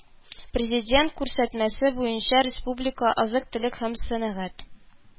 Президент күрсәтмәсе буенча республика азык-төлек һәм сәнәгать